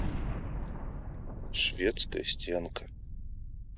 шведская стенка